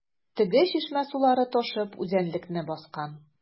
Теге чишмә сулары ташып үзәнлекне баскан.